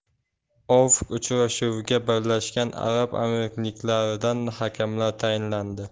ofk uchrashuvga birlashgan arab amirliklaridan hakamlar tayinladi